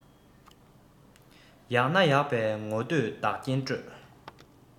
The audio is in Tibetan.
ཡག ན ཡག པས ངོ བསྟོད བདག རྐྱེན སྤྲོད